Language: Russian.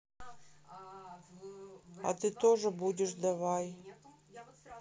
а ты тоже будешь давай